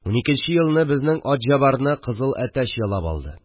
Уникенче елны безнең Атҗабарны кызыл әтәч ялап алды